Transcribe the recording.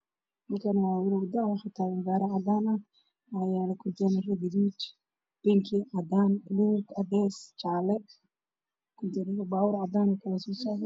Halkaan waxaa ka muuqdo kun teenaro midabyo kala duwan leh waana guduud, cadaan, buluug iyo jaalo waxaana hoos taagan gaari cadaan ah